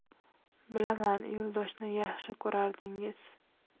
bilaman yo'ldoshni yaxshi ko'rardingiz